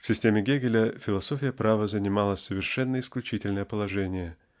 В системе Гегеля философия права занимала совершенно исключительное положение